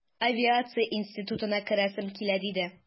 Авиация институтына керәсем килә, диде...